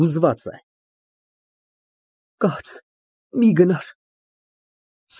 Հուզված է)։ Կաց մի գնար։